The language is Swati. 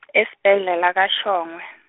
eisbhedlela kaShongwe.